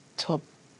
t'o'